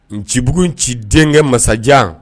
Ncibugu Nci denkɛ masajan